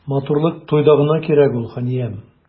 Матурлык туйда гына кирәк ул, ханиям.